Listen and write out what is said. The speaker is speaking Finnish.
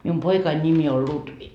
minun poikani nimi on Lutvi